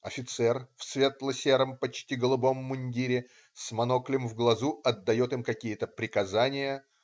Офицер, в светло-сером, почти голубом мундире, с моноклем в глазу, отдает им какие-то приказания.